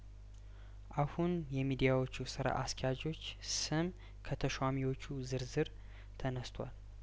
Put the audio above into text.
አሁን የሚዲያዎቹ ስራ አስኪያጆች ስም ከተሿሚዎቹ ዝርዝር ተነስቷል